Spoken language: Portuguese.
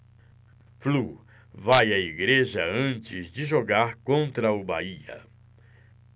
flu vai à igreja antes de jogar contra o bahia